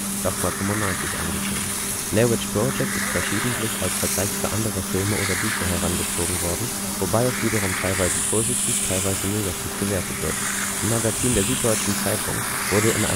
95 “angesehen. Blair Witch Project ist verschiedentlich als Vergleich für andere Filme oder Bücher herangezogen worden, wobei es wiederum teilweise positiv, teilweise negativ gewertet wird. Im Magazin der Süddeutschen Zeitung wurde in